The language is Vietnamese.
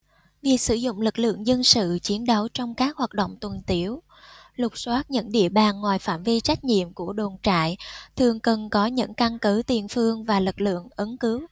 việc sử dụng lực lượng dân sự chiến đấu trong các hoạt động tuần tiễu lục soát những địa bàn ngoài phạm vi trách nhiệm của đồn trại thường cần có những căn cứ tiền phương và lực lượng ứng cứu